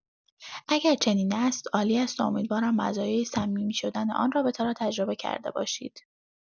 اگر چنین است، عالی است و امیدوارم مزایای صمیمی‌شدن آن رابطه را تجربه کرده باشید.